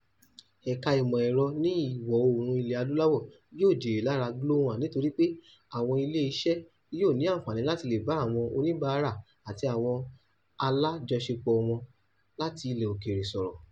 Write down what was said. Ẹ̀ka ìmọ̀ ẹ̀rọ ní Ìwọ Oòrùn Ilẹ̀ Adúláwò yóò jèrè lára Glo-1 nítorí pé àwọn ilé iṣẹ́ yóò ní àǹfààní láti le bá àwọn oníbàárà àti àwọn alájọṣepọ̀ wọn láti ilẹ̀ òkèèrè sọ̀rọ̀.